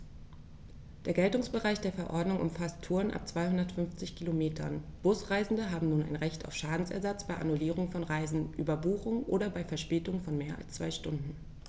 Der Geltungsbereich der Verordnung umfasst Touren ab 250 Kilometern, Busreisende haben nun ein Recht auf Schadensersatz bei Annullierung von Reisen, Überbuchung oder bei Verspätung von mehr als zwei Stunden.